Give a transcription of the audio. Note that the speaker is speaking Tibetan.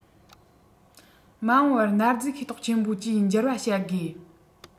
མ འོངས པར གནའ རྫས ཤེས རྟོགས ཆེན པོ བཅུའི ཏུ འགྱུར བ བྱ དགོས